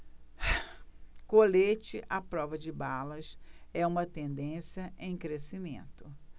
colete à prova de balas é uma tendência em crescimento